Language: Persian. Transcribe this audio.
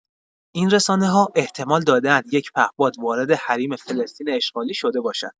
این رسانه‌ها احتمال دادند یک پهپاد وارد حریم فلسطین اشغالی شده باشد.